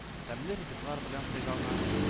Тәмле ризыклар белән сыйлана